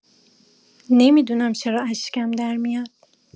نمی‌دونم چرا اشکم درمیاد